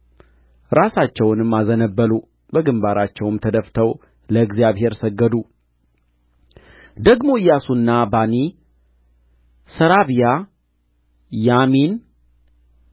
ራሳቸውንም አዘነበሉ በግምባራቸውም ተደፍተው ለእግዚአብሔር ሰገዱ ደግሞ ኢያሱና ባኒ ሰራብያ ያሚን